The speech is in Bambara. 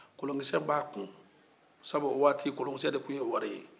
kolonkisɛ b'a kun sabu o waati kolonkisɛ de tun ye wari ye